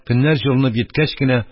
Көннәр җылынып йиткәч кенә,